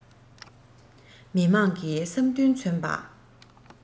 མི དམངས ཀྱི བསམ འདུན མཚོན པ